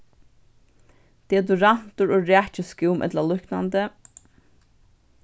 deodorantur og rakiskúm ella líknandi